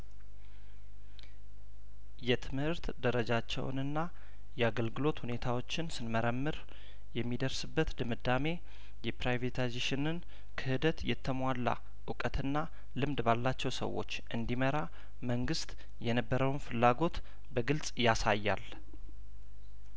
የትምህርት ደረጃቸውንና የአገልግሎት ሁኔታዎችን ስንመረምር የሚደርስ በት ድምዳሜ የፕራይቬታይዜሽንን ክህደት የተሟላ እውቀትና ልምድ ባላቸው ሰዎች እንዲመራ መንግስት የነበረውን ፍላጐት በግልጽ ያሳያል